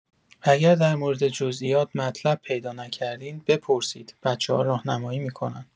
اگر در مورد جزییات مطلب پیدا نکردین، بپرسید، بچه‌ها راهنمایی می‌کنن.